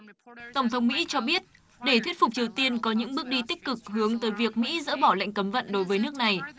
tổng thống mĩ cho biết để thuyết phục triều tiên có những bước đi tích cực hướng tới việc mĩ dỡ bỏ việc cấm vận đối với nước này